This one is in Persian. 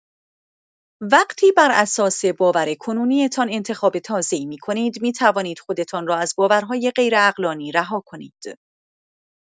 وقتی بر اساس باور کنونی‌تان انتخاب تازه‌ای می‌کنید، می‌توانید خودتان را از باورهای غیرعقلانی رها کنید.